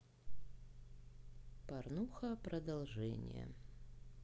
порнуха продолжение